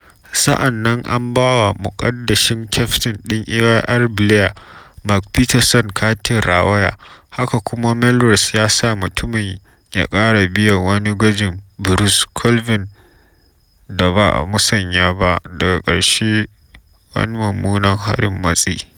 Sa’an nan an ba wa muƙaddashin kyaftin ɗin Ayr Blair Macpherson kati rawaya, haka kuma, Melrose ya sa mutumin ya ƙara biya wani gwajin Bruce Colvine da ba a musanya ba, daga ƙarshe wani mummuna harin matsi.